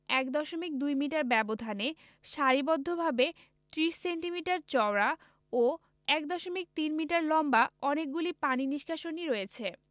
১ দশমিক ২ মিটার ব্যবধানে সারিবদ্ধভাবে ৩০ সেন্টিমিটার চওড়া ও ১ দশমিক ৩ মিটার লম্বা অনেকগুলো পানি নিষ্কাশনী রয়েছে